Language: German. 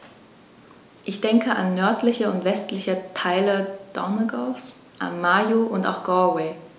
Ich denke an nördliche und westliche Teile Donegals, an Mayo, und auch Galway.